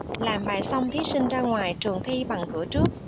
làm bài xong thí sinh ra ngoài trường thi bằng cửa trước